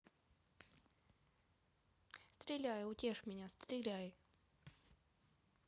стреляй утешь меня стреляй